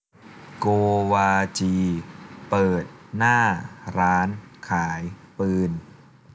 โกวาจีเปิดหน้าร้านขายปืน